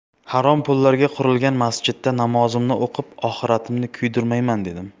harom pullarga qurilgan masjidda namoz o'qib oxiratimni kuydirmayman dedim